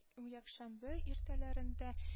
Якшәмбе иртәләрендә